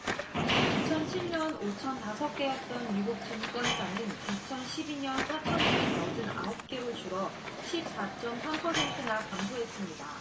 이천 칠 년 오천 다섯 개였던 미국 증권사는 이천 십 이 년 사천 이백 여든 아홉 개로 줄어 십 사 쩜 삼 퍼센트나 감소했습니다